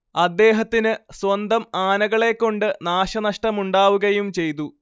അദ്ദേഹത്തിന് സ്വന്തം ആനകളെകൊണ്ട് നാശനഷ്ടമുണ്ടാവുകയും ചെയ്തു